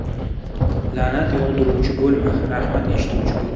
la'nat yog'diruvchi bo'lma rahmat eshituvchi bo'l